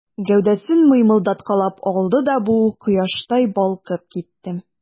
Гәүдәсен мыймылдаткалап алды да бу, кояштай балкып китте.